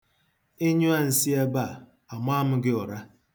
Ị nyụọ nsị ebe a, ama m gị ụra.